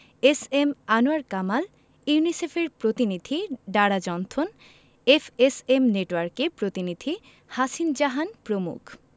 S M Anwar Kamal ইউনিসেফের প্রতিনিধি ডারা জনথন এফএসএম নেটওয়ার্কের প্রতিনিধি হাসিন জাহান প্রমুখ